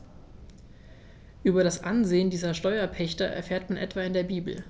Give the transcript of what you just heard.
Über das Ansehen dieser Steuerpächter erfährt man etwa in der Bibel.